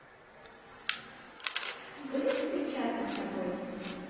будем встречаться с тобой